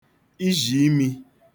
izhìimī